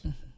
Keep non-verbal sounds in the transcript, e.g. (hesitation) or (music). (hesitation) (hesitation)